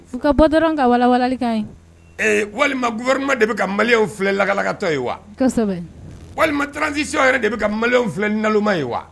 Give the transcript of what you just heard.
U ka bɔ dɔrɔn ka wawaka walima b wɛrɛma de bɛ ka malow filɛ lakalakatɔ ye wa walima tranzsi yɛrɛ de bɛ ka mali filɛ nama ye wa